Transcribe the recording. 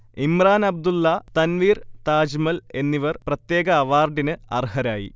ഇമ്രാൻ അബ്ദുല്ല, തൻവീർ താജ്മൽ എന്നിവർ പ്രത്യേക അവാർഡിന് അർഹരായി